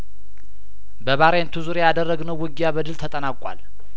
በባሬንቱ ዙሪያ ያደረግነው ውጊያ በድል ተጠናቋል